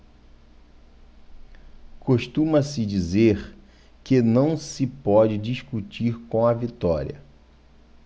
costuma-se dizer que não se pode discutir com a vitória